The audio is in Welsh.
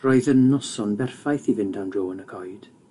Roedd yn noson berffaith i fynd am dro yn y coed.